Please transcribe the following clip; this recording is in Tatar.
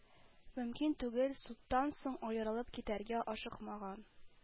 Мөмкин түгел, судтан соң аерылып китәргә ашыкмаган